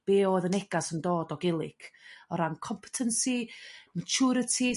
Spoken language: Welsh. be o'dd y negas yn dod o Gilic o ran competancy maturity